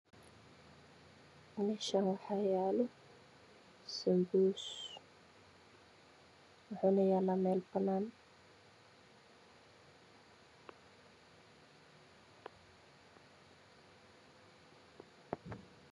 Meeshaan waxaa yaalo basanbuus waxuuna yaalaa meel banaan.